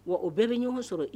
Wa o bɛɛ bɛ ɲɔgɔn sɔrɔ